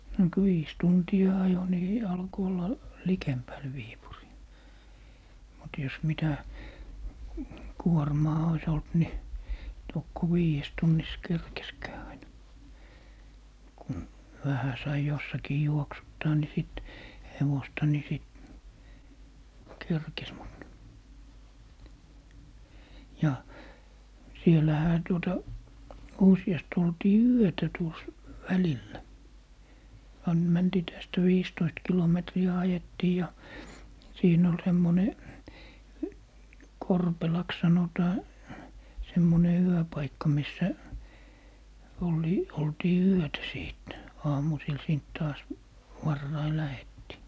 no kun viisi tuntia ajoi niin alkoi olla likemmällä Viipuria mutta jos mitä kuormaa olisi ollut niin tokko viidessä tunnissa kerkesikään aina kun vähän sai jossakin juoksuttaa niin sitten hevosta niin sitten kerkesi mutta ja siellähän tuota useasti oltiin yötä tuossa välillä - mentiin tästä viisitoista kilometriä ajettiin ja siinä oli semmoinen Korpelaksi sanotaan semmoinen yöpaikka missä - oltiin yötä sitten aamusilla siitä taas varhain lähdettiin